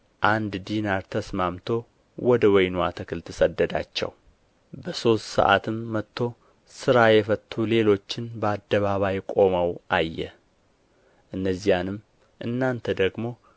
አንድ ዲናር ተስማምቶ ወደ ወይኑ አትክልት ሰደዳቸው በሦስት ሰዓትም ወጥቶ ሥራ የፈቱ ሌሎችን በአደባባይ ቆመው አየ እነዚያንም እናንተ ደግሞ